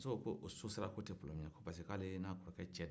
muso ko o so sara tɛ pɔrɔbilɛmu ye parce que ale n'a kɔrɔkɛ cɛ don